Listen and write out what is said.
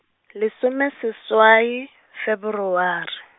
lesomeseswai, Feberware.